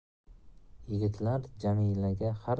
yigitlar jamilaga har